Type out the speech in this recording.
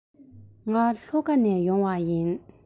ང ལྷོ ཁ ནས ཡོང པ ཡིན